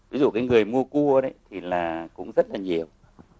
ví dụ cái người mua cua đấy thì là cũng rất là nhiều